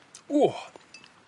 W!